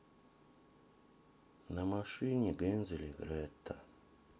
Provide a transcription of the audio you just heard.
на машине гензель и грета